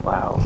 waaw